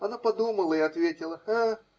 Она подумала и ответила: -- Э!